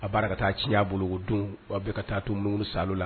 A baara ka taa ci'a bolo don a bɛ ka taa toum sa la